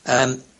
yym,